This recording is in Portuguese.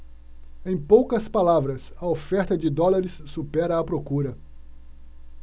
em poucas palavras a oferta de dólares supera a procura